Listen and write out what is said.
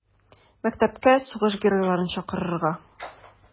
Мәктәпкә сугыш геройларын чакырырга.